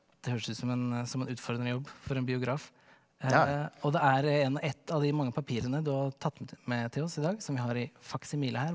det høres ut som en som en utfordrende jobb for en biograf og det er en ett av de mange papirene du har tatt med med til oss i dag som vi har i faksimile her.